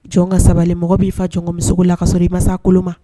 Jɔn ka saba mɔgɔ b'i fɔ jɔnmusogo la kasɔrɔ i masa kolo ma